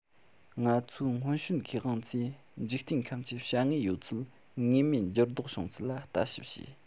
ང ཚོའི སྔོན བྱོན མཁས དབང ཚོས འཇིག རྟེན ཁམས ཀྱི བྱ དངོས ཡོད ཚད ངེས མེད འགྱུར ལྡོག བྱུང ཚུལ ལ ལྟ ཞིབ བྱས